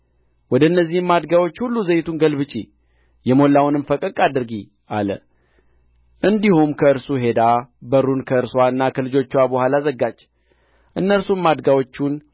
ከዘይት ማሰሮ በቀር በቤቴ አንዳች የለኝም አለች እርሱም ሄደሽ ከጐረቤቶችሽ ሁሉ ከሜዳ ባዶ ማድጋዎችን ተዋሺ አታሳንሻቸውም አላት ገብተሽም ከአንቺና ከልጆችሽ በኋላ በሩን ዝጊ